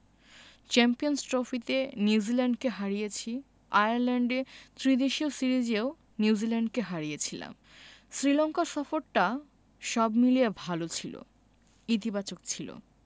champions ট্রফিতে নিউজিল্যান্ডকে হারিয়েছি আয়ারল্যান্ডে ত্রিদেশীয় সিরিজেও নিউজিল্যান্ডকে হারিয়েছিলাম শ্রীলঙ্কা সফরটা সব মিলিয়ে ভালো ছিল ইতিবাচক ছিল